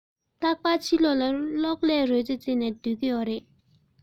རྟག པར ཕྱི ལོག ལ གློག ཀླད རོལ རྩེད རྩེད ནས སྡོད ཀྱི ཡོད རེད